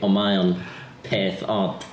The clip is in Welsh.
Ond mae o'n peth od.